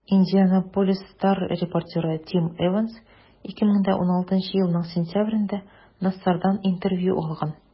«индианаполис стар» репортеры тим эванс 2016 елның сентябрендә нассардан интервью алган.